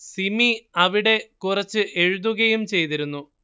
സിമി അവിടെ കുറച്ചു എഴുതുകയും ചെയ്തിരുന്നു